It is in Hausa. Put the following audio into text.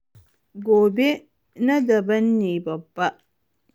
Gobe na daban ne babba.